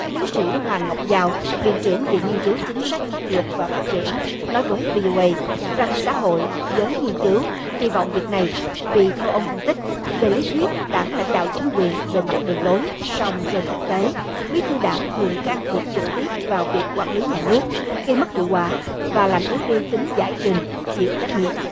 tiến sĩ hoàng ngọc giao viện trưởng viện nghiên cứu chính sách pháp luật và phát triển nói với vi iu ây rằng xã hội giới nghiên cứu kỳ vọng việc này vì theo ông phân tích về lý thuyết đảng lãnh đạo chính quyền về mặt đường lối song trên thực tế bí thư đảng thường can thiệp trực tiếp vào việc quản lý nhà nước gây mất hiệu quả và làm yếu đi tính giải trình chịu trách nhiệm